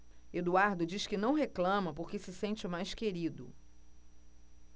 eduardo diz que não reclama porque se sente o mais querido